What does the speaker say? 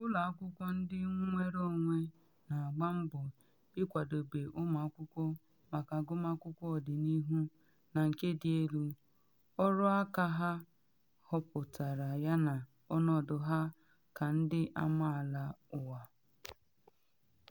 Ụlọ akwụkwọ ndị nnwere onwe na agba mbọ ịkwadobe ụmụ akwụkwọ maka agụmakwụkwọ ọdịnihu na nke dị elu, ọrụaka ha họpụtara yana ọnọdụ ha ka ndị amaala ụwa.